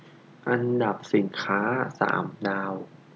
อันดับสินค้าสามดาว